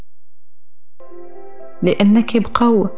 لانك بقره